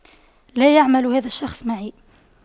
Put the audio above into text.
لا يعمل هذا الشخص معي